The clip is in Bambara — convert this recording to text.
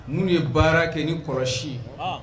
Ninnu ye baara kɛ ni kɔlɔsi ye